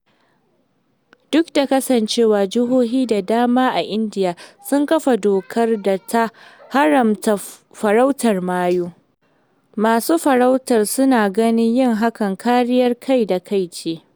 Duk da kasancewar jihohi da dama a Indiya sun kafa dokar da ta haramta farautar mayu, masu farautar su na ganin yin haka kariyar kai da kai ce.